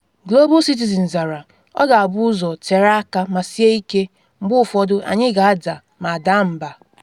Global Citizen zara: “Ọ ga-abụ ụzọ tere aka ma sie ike - mgbe ụfọdụ anyị ga ada ma daa mba.